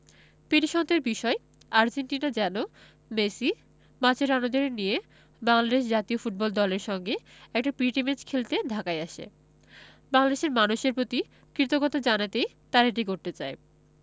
পিটিশনটির বিষয় আর্জেন্টিনা যেন মেসি মাচেরানোদের নিয়ে বাংলাদেশ জাতীয় ফুটবল দলের সঙ্গে একটা প্রীতি ম্যাচ খেলতে ঢাকায় আসে বাংলাদেশের মানুষের প্রতি কৃতজ্ঞতা জানাতেই তারা এটি করতে চায়